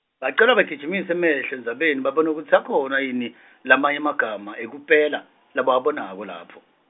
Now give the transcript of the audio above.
Bacelwa bagijimise emehlo endzabeni babone kutsi akhona yini, lamanye emagama ekupela, labawabonako lapho.